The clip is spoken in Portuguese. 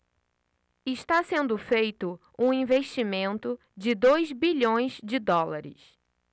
está sendo feito um investimento de dois bilhões de dólares